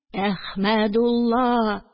Әхмәдулла